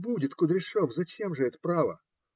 - Будет, Кудряшов, зачем же это, право!